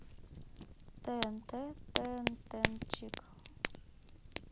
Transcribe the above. тнт тнтнчик